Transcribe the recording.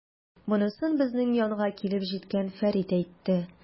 Монысын безнең янга килеп җиткән Фәрит әйтте.